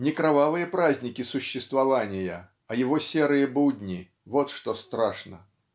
Не кровавые праздники существования, а его серые будни вот что страшно.